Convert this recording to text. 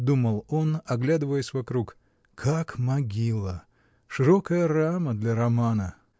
— думал он, оглядываясь вокруг, — как могила! Широкая рама для романа!